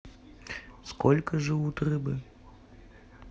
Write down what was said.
сколько живут рыбы